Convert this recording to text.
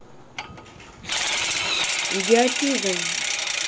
идиотизм